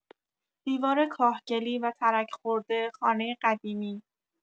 دیوار کاهگلی و ترک‌خورده خانه قدیمی